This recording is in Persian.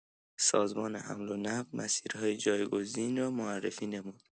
سازمان حمل و نقل مسیرهای جایگزین را معرفی نمود.